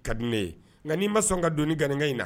Ka di ne ye nka n'i ma sɔn ka don ni ganiga in na